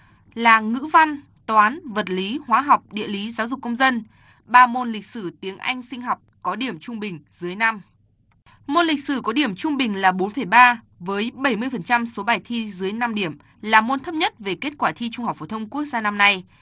là ngữ văn toán vật lý hóa học địa lý giáo dục công dân ba môn lịch sử tiếng anh sinh học có điểm trung bình dưới năm môn lịch sử có điểm trung bình là bốn phẩy ba với bảy mươi phần trăm số bài thi dưới năm điểm là môn thấp nhất về kết quả thi trung học phổ thông quốc gia năm nay